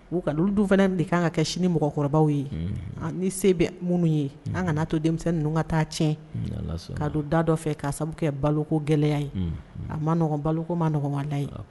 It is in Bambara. U ka olu du fana de kan ka kɛ sini mɔgɔkɔrɔbaw ye ni se bɛ minnu ye an ka n'a to denmisɛnnin denmisɛn ninnu ka taa tiɲɛ ka don da dɔ fɛ kaa sababu kɛ baloko gɛlɛyaya ye a maɔgɔnkoma nɔgɔmala ye